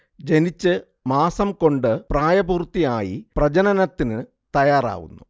ജനിച്ച് മാസം കൊണ്ട് പ്രായപൂർത്തിയായി പ്രജനനത്തിന് തയ്യാറാവുന്നു